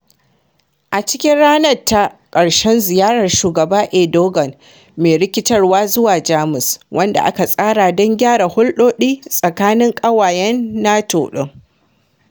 A cikin ranarta ta ƙarshen ziyarar Shugaba Erdogan mai rikitarwa zuwa Jamus - wanda aka tsara don gyara hulɗoɗi tsakanin ƙawayen NATO din.